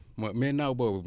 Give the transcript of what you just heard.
mooy mais naaw boobu